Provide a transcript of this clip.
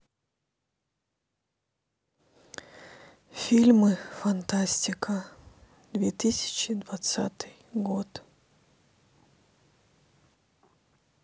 фильмы фантастика две тысячи двадцатый год